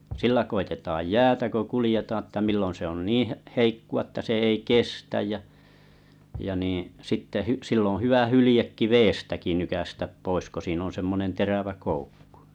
sillä koetetaan jäätä kun kuljetaan että milloin se on niin - heikkoa että se ei kestä ja ja niin sitten - sillä on hyvä hyljekin vedestäkin nykäistä pois kun siinä on semmoinen terävä koukku